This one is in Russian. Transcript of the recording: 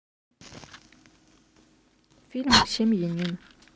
фильм семьянин